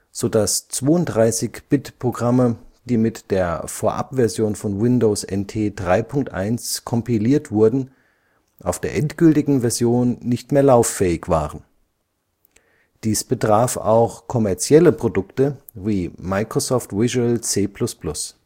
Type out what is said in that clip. sodass 32-Bit-Programme, die mit der Vorabversion von Windows NT 3.1 kompiliert wurden, auf der endgültigen Version nicht mehr lauffähig waren. Dies betraf auch kommerzielle Produkte wie Microsoft Visual C++